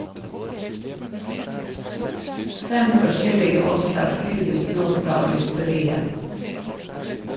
Fem forskjellige oster tilbys nå fra ysteriet.